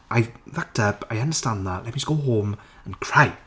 I fucked up. I understand that let me just go home and cry.